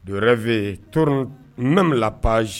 De rêves tournent même la page